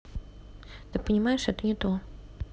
ты понимаешь это не то